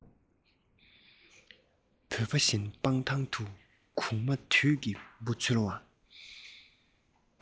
བོད པ བཞིན སྤང ཐང དུ གུག མ དུད ཀྱིས འབུ འཚོལ བ